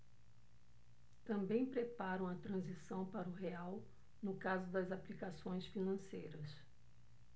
também preparam a transição para o real no caso das aplicações financeiras